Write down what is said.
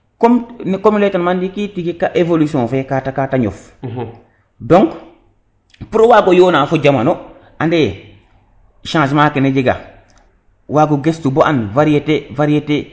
comme no nen leyta numa ndiki évolution fe kate njof donc pour o wago yona fa jamano ande changement ke na njega waga gestu bo an varietée varietée